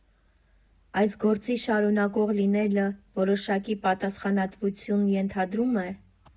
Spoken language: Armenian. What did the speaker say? Այս գործի շարունակող լինելը որոշակի պատասխանատվություն ենթադրո՞ւմ է։